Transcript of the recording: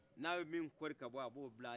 n' a ye min kɔri ka bɔ a bɛ o bila